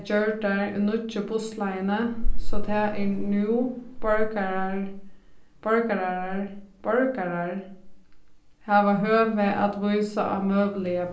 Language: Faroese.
gjørdar í nýggju bussleiðini so tað er nú borgarar borgarar hava høvi at vísa á møguligar